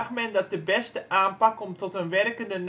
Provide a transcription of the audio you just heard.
men dat de beste aanpak om tot een werkende